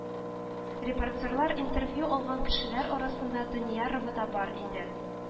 Репортерлар интервью алган кешеләр арасында Даниярова да бар иде